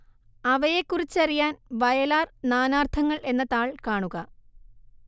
അവയെക്കുറിച്ചറിയാൻ വയലാർ നാനാർത്ഥങ്ങൾ എന്ന താൾ കാണുക